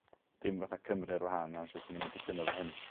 dim fatha Cymru ar wahan na sw- swn i 'im yn cytuno efo hynny.